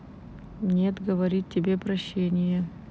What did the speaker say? нет говорит тебе прощение